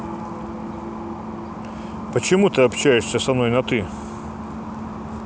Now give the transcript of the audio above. почему ты общаешься со мной на ты